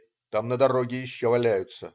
Там, на дороге, еще валяются".